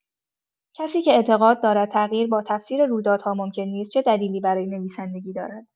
کسی که اعتقاد دارد تغییر با «تفسیر رویدادها» ممکن نیست، چه دلیلی برای نویسندگی دارد؟